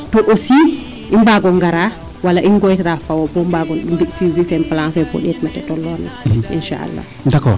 to aussi i mbaago ngara walka i ngooyra fo wo bo mbago mbi suivie fe plan fee pour ndeet meete toloox na inchaalah